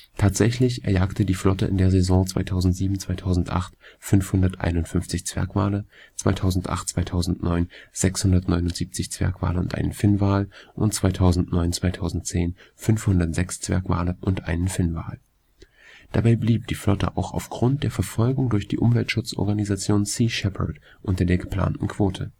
Tatsächlich erjagte die Flotte in der Saison 2007/2008 551 Zwergwale, 2008/2009 679 Zwergwale und einen Finnwal und 2009/2010 506 Zwergwale und einen Finnwal. Dabei blieb die Flotte auch aufgrund der Verfolgung durch die Umweltschutzorganisation Sea Shepherd unter der geplanten Quote